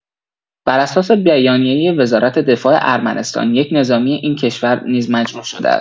بر اساس بیانیه وزارت دفاع ارمنستان، یک نظامی این کشور نیز مجروح شده است.